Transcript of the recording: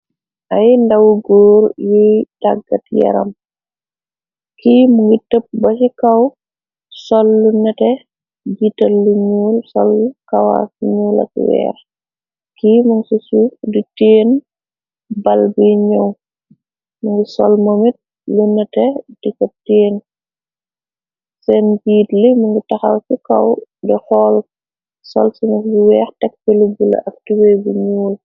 Ay ndawu góor yuy tàggat yaram. Ki mu ngi tëpp ba ci kaw sol lu nate jiital lu ñuul sol kawa suñu lak weex ki mung susu du teen bal biy ñëw mungi sol momit lu nate tika een seen jiit li mu ngi taxaw ci kaw di xool sol-sinis bu weex tek pelu bula ak tube bu ñuul.